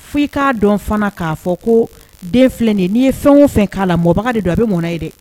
Foyi k'a dɔn fana k'a fɔ ko den filɛ n'i ye fɛn o fɛn k'a la mɔgɔbaga de don a bɛ mun ye dɛ